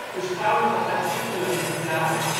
beschouwende artikelen geplaatst